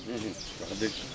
wax dëgg